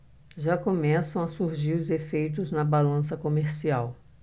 já começam a surgir os efeitos na balança comercial